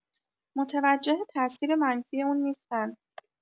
متوجه تاثیر منفی اون نیستن